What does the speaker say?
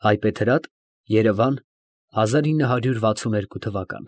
Հայբեթրատ, Երևան հազար ինը հարյուր վաթսուն երկու թվական։